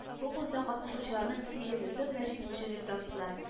Конкурста катнашучыларның сигезесен дә җиңүче дип таптылар